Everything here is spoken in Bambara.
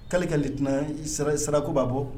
'lekɛli tun sara sarakoba bɔ